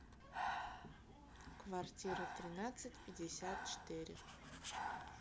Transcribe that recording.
квартира тринадцать пятьдесят четыре